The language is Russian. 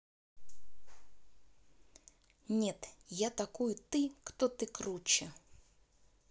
нет я такую ты кто ты круче